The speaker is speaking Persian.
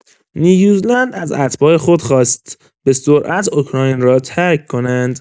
نیوزیلند از اتباع خود خواست به‌سرعت اوکراین را ترک کنند.